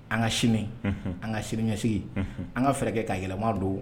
An ka sini an ka sini ɲɛsin an ka fɛɛrɛ ka yɛlɛma don